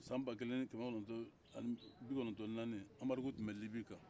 san ba kelen ani kɛmɛ kɔnɔntɔ ani bikɔnɔntɔ ni naani anbarigo tun bɛ libi kan